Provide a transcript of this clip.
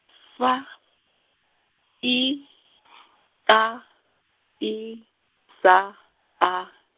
V I T I S A.